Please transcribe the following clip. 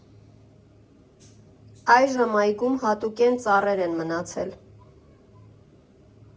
Այժմ այգում հատուկենտ ծառեր են մնացել։